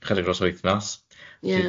Chydig dros wythnos.